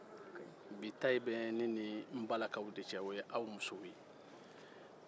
bi ta bɛ ne ni n balakaw de cɛ aw ye aw musow ye